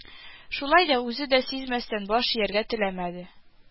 Шулай да, үзе дә сизмәстән, баш ияргә теләмәде